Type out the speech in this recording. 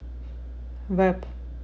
веб